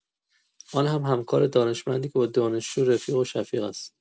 آن هم همکار دانشمندی که با دانشجو رفیق و شفیق است.